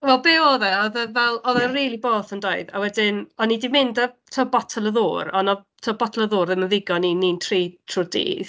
Wel be oedd e, oedd e fel, oedd e'n rili boeth yn doedd. A wedyn o'n i 'di mynd â, timod, botel o ddŵr. Ond oedd, timod, botel o ddŵr ddim yn ddigon i ni'n tri trwy'r dydd.